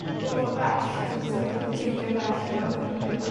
dod o bell? T'mod os 'na betha 'di teithio'n bell i ddod i'r amgueddfa?